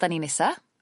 ...'dan ni nesa.